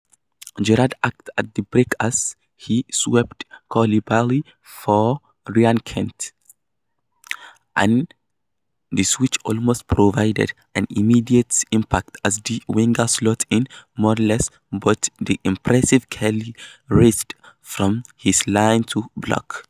Gerrard acted at the break as he swapped Coulibaly for Ryan Kent and the switch almost provided an immediate impact as the winger slotted in Morelos but the impressive Kelly raced from his line to block.